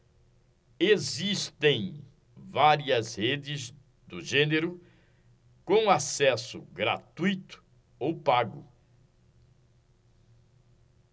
existem várias redes do gênero com acesso gratuito ou pago